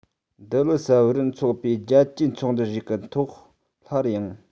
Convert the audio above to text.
རྡི ལི གསར པར འཚོགས པའི རྒྱལ སྤྱིའི ཚོགས འདུ ཞིག གི ཐོག སླར ཡང